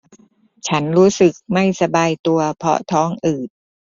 ฉันรู้สึกไม่สบายตัวเพราะท้องอืด